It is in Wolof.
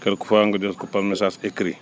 quelque fois nga jot ko par message écrit